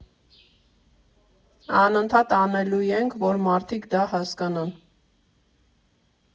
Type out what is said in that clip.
Անընդհատ անելու ենք, որ մարդիկ դա հասկանան։